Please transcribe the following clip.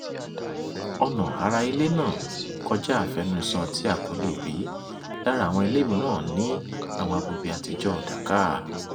Ọnà ara ilé náà kọjá àfẹnusọ tí a kò le è rí lára àwọn ilé mìíràn ní àwọn agbègbè àtijọ́ọ Dhaka.